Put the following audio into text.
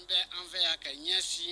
An bɛ an fɛ'a ka ɲɛsin ye